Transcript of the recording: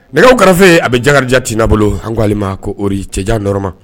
Nɛgɛ kɛrɛfɛfe a bɛ jaja' n'a bolo haale ma koɔriri cɛ janɔrɔ ma